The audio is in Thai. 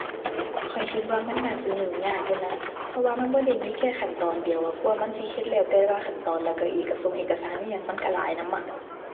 ข้อยคิดว่ามันน่าจะยุ่งยากอยู่นะ เพราะว่ามันบ่ได้มีแค่คันตอนเดียวอะ กว่ามันสิเฮ็ดแล้วแต่ละขั้นตอนแล้วก็เอกสงเอกสารอิหยังมันก็หลายนำอะ